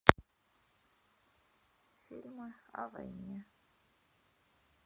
фильмы о войне